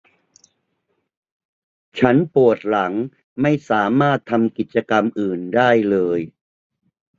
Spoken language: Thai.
ฉันปวดหลังไม่สามารถทำกิจกรรมอื่นได้เลย